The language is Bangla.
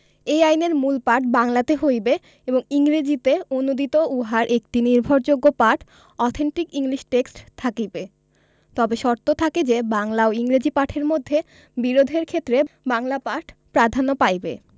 এই আইনের মূল পাঠ বাংলাতে হইবে এবং ইংরেজীতে অনূদিত উহার একটি নির্ভরযোগ্য পাঠ অথেন্টিক ইংলিশ টেক্সট থাকিবে তবে শর্ত থাকে যে বাংলা ও ইংরেজী পাঠের মধ্যে বিরোধের ক্ষেত্রে বাংলা পাঠ প্রাধান্য পাইবে